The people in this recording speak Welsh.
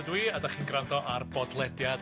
...ydw i a 'dach chi'n gwrando ar bodlediad...